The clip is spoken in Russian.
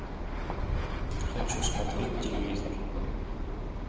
хочу смотреть телевизор